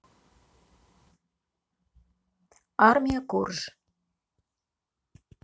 армия корж